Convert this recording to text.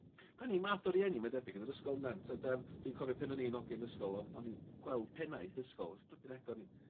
'Dan ni math o rieni ma'n debyg yn yr ysgol 'n'an? T'od yym dwi'n cofio pen o'n i'n ogyn ysgol o'n o'n i'n gweld pennaeth ysgol flipin eck o'n i...